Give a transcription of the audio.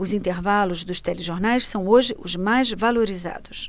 os intervalos dos telejornais são hoje os mais valorizados